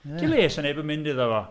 Ti le does neb yn mynd iddo fo.